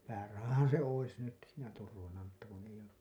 päärahahan se olisi nyt siinä turvana mutta kun ei ole